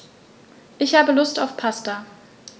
Ich habe Lust auf Pasta.